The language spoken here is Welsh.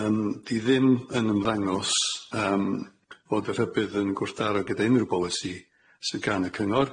Yym di ddim yn ymddangos yym bod y rhybudd yn gwrthdaro gyda unryw bolisi sy'n gân y cyngor.